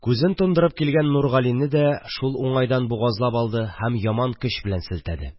– күзен тондырып килгән нургалине дә шул уңайдан бугазлап алды һәм яман көч белән селтәде